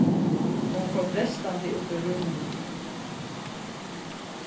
hon fór brestandi út úr rúminum